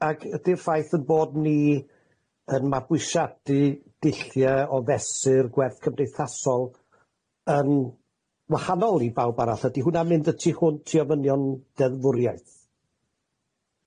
Ag ydi'r ffaith 'yn bod ni yn mabwysiadu dullia o fesur gwerth cymdeithasol yn wahanol i bawb arall, ydi hwnna'n mynd y tu hwnt i ofynion deddfwriaeth?